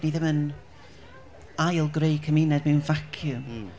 Ni ddim yn ail-greu cymuned mewn vacuum. ...Mm.